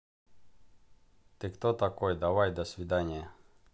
ты кто такой давай до свидания